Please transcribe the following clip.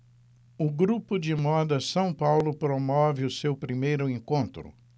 o grupo de moda são paulo promove o seu primeiro encontro